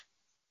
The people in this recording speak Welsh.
O ia? O bechod.